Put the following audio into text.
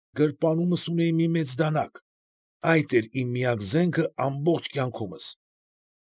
Գրպանումս ունեի մի մեծ դանակ. այդ էր իմ միակ զենքը ամբողջ կյանքումս։